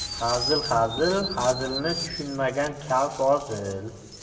hazil hazil hazilni tushunmagan kal fozil